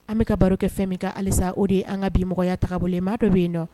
An be ka baro kɛ fɛn min kan halisa o de ye an ŋa bimɔgɔya taabolo ye maa dɔ be yennɔ